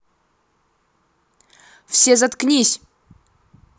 все заткнись